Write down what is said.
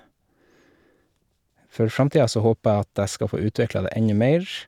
For framtida så håper jeg at jeg skal få utvikla det ennå mer.